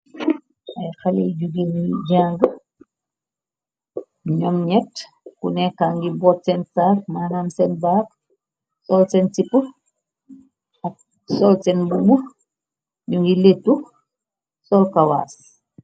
Ay xaley you jiggéen yui janga ñyoom ñyett ku nekkam ngi boot seen sark manam seen baag sol seen sippu ak sol seen boubu ñyu ngi lettu sol kawaas.